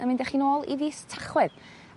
yn mynd â chi nôl i fis Tachwedd